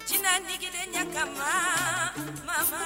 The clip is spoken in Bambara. Jinɛ ni kelen ɲɛ ka mama